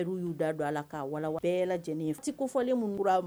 'u da don bɛɛ lajɛlen ko fɔlen